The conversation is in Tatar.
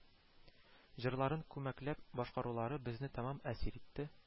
Җырларын күмәкләп башкарулары безне тәмам әсир итте,